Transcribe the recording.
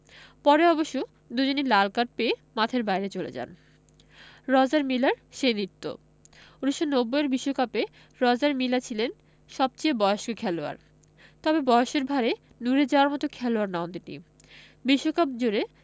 পরে অবশ্য দুজনই লাল কার্ড পেয়ে মাঠের বাইরে চলে যান রজার মিলার সেই নৃত্য ১৯৯০ এর বিশ্বকাপে রজার মিলা ছিলেন সবচেয়ে বয়স্ক খেলোয়াড় তবে বয়সের ভাঁড়ে নুয়ে যাওয়ার মতো খেলোয়াড় নন তিনি বিশ্বকাপজুড়ে